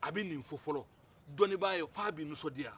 a bɛ nin fɔ fɔlɔ dɔnnibaa ye f'a bɛ nisɔn diya